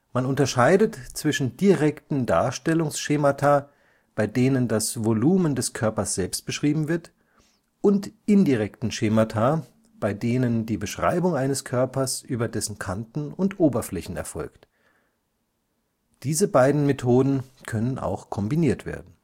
Man unterscheidet zwischen direkten Darstellungsschemata, bei denen das Volumen des Körpers selbst beschrieben wird, und indirekten Schemata, bei denen die Beschreibung eines Körpers über dessen Kanten und Oberflächen erfolgt. Diese beiden Methoden können auch kombiniert werden